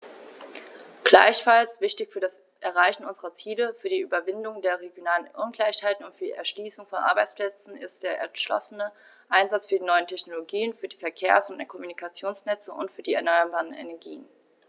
Gleichfalls wichtig für das Erreichen unserer Ziele, für die Überwindung der regionalen Ungleichheiten und für die Erschließung von Arbeitsplätzen ist der entschlossene Einsatz für die neuen Technologien, für die Verkehrs- und Kommunikationsnetze und für die erneuerbaren Energien.